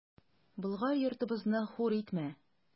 Болгар йортыбызны хур итмә!